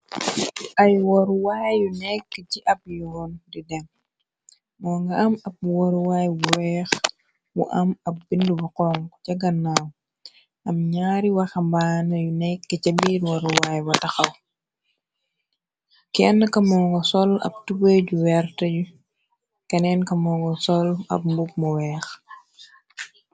ay waruwaay yu nekk ci ab yoon di dem mungi am ab waruwaay bu weex mu am ab binde bu xonxu cah ganaw am jari waxambané yu nekk cah mbir waruway ba taxaw kene ke munga sol ab tubeey yu weerte yu kenen ka mu ngo sol ab mbubu mu weex